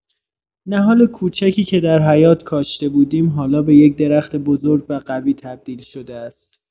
نهال کوچکی که در حیاط کاشته بودیم، حالا به یک درخت بزرگ و قوی تبدیل شده است.